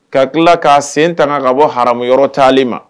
Ka tila k'a sen tanga ka bɔ ha yɔrɔ tali ma